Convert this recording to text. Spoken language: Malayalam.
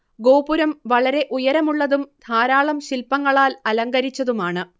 ഗോപുരം വളരെ ഉയരമുള്ളതും ധാരാളം ശില്പങ്ങളാൽ അലങ്കരിച്ചതുമാണ്